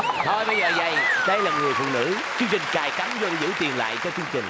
thôi bây giờ dầy đây là người phụ nữ chương trình cài cắm dô giữ tiền lại cho chương trình